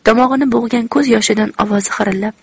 tomog'ini bo'g'gan ko'z yoshidan ovozi hirillab